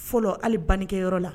Fɔlɔ hali bankɛ yɔrɔ la